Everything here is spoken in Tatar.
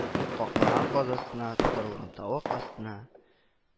Каклаган каз астына... Тутырылган тавык астына